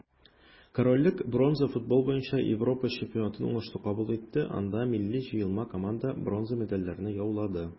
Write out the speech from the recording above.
Корольлек бронза футбол буенча Европа чемпионатын уңышлы кабул итте, анда милли җыелма команда бронза медальләрне яулады.